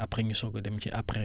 après ñu soog a dem ci après